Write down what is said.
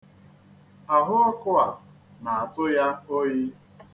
Ahụọkụ a na-atụ ya oyi.